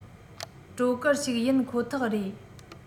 སྤྲོ གར ཞིག ཡིན ཁོ ཐག རེད